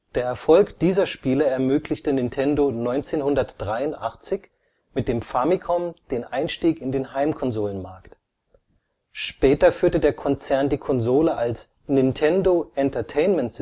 Erfolg dieser Spiele ermöglichte Nintendo 1983 mit dem Famicom den Einstieg in den Heimkonsolenmarkt. Später führte der Konzern die Konsole als Nintendo Entertainment